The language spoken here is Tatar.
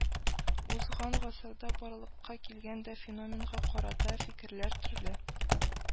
Узган гасырда барлыкка килгән бу феноменга карата фикерләр төрле